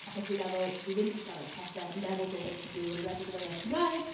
Achos fi'n meddwl, fi ddim 'di siarad y pethau yn meddwl bod e’n tabŵ, yn enwedig yn yr iaith Gymraeg.